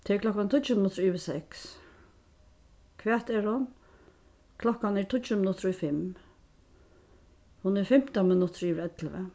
tað er klokkan tíggju minuttir yvir seks hvat er hon klokkan er tíggju minuttir í fimm hon er fimtan minuttir yvir ellivu